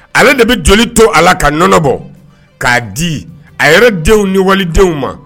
Ale de bɛ joli to a la kaɔnɔbɔ k'a di a yɛrɛ denw ni waledenw ma